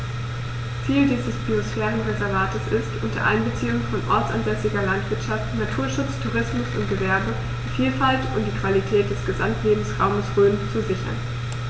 Ziel dieses Biosphärenreservates ist, unter Einbeziehung von ortsansässiger Landwirtschaft, Naturschutz, Tourismus und Gewerbe die Vielfalt und die Qualität des Gesamtlebensraumes Rhön zu sichern.